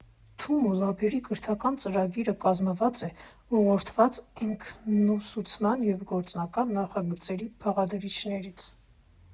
Թումո լաբերի կրթական ծրագիրը կազմված է ուղղորդված ինքնուսուցման և գործնական նախագծերի բաղադրիչներից։